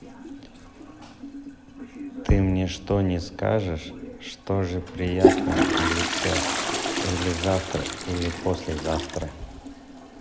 ты мне что не скажешь что же приятное или все или завтра или послезавтра